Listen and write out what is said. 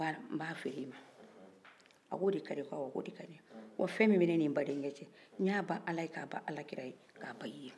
a ko de kadi n ye fɛ min bɛ ne ni n bandenkɛ cɛ n ban ala ye ka ban kira ye ka ban i ye